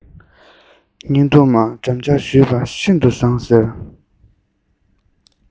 སྙིང སྡུག མ འགྲམ ལྕག གཞུས པ ཤིན དུ བཟང ཟེར